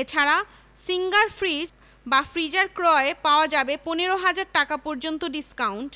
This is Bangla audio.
এ ছাড়া সিঙ্গার ফ্রিজ ফ্রিজার ক্রয়ে পাওয়া যাবে ১৫ ০০০ টাকা পর্যন্ত ডিসকাউন্ট